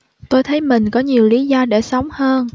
tôi thấy mình có nhiều lý do để sống hơn